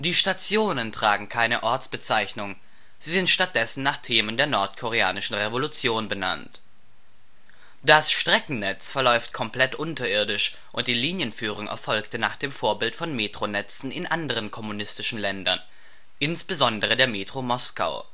Stationen tragen keine Ortsbezeichnung, sie sind stattdessen nach Themen der nordkoreanischen Revolution benannt. Das Streckennetz verläuft komplett unterirdisch und die Linienführung erfolgte nach dem Vorbild von Metronetzen in anderen kommunistischen Ländern, insbesondere der Metro Moskau